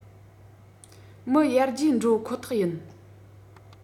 མི ཡར རྒྱས འགྲོ ཁོ ཐག ཡིན